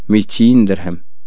ميتين درهم